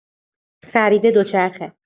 خرید دوچرخه